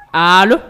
Allo